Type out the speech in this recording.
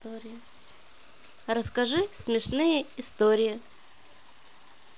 расскажи смешные истории